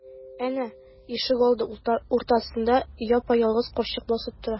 Әнә, ишегалды уртасында япа-ялгыз карчык басып тора.